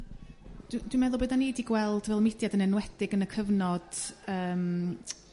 Dw dwi meddwl be' 'dyn ni 'di gweld fel mudiad yn enwedig yn y cyfnod yrm